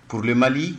Klema